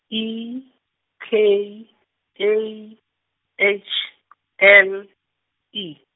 E, K, A, H , L, E.